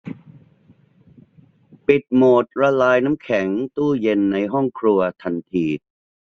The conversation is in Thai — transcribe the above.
ปิดโหมดละลายน้ำแข็งตู้เย็นในห้องครัวทันที